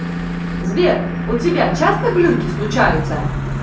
сбер у тебя часто глюки случаются